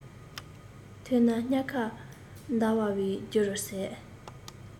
ཐོས ན སྙ ཁ འདར བའི རྒྱུ རུ ཟད